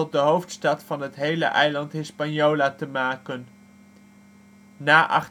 de hoofdstad van het hele eiland Hispaniola te maken. Na